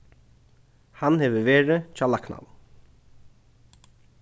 hann hevur verið hjá læknanum